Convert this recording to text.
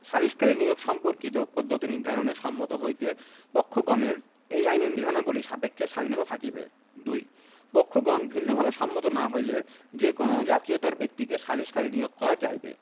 সালিসকারী নিয়োগ সম্পর্কিত পদ্ধতি নির্ধারণে সম্মত হইতে পক্ষগণের এই আইনের বিধানবলী সাপেক্ষে স্বাধীনতা থাকিবে ২ পক্ষগণ ভিন্নভাবে সম্মত না হইলে যে কোন জাতীয়তার ব্যক্তিকে সালিসকারী নিয়োগ করা যাইবে